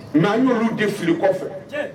Nka an y'olu de fili kɔfɛ